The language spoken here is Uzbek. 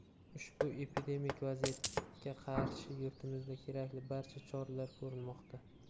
ushbu epidemik vaziyatga qarshi yurtimizga kerakli barcha choralar ko'rilmoqda